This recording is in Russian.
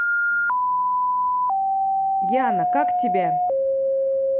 яна как тебя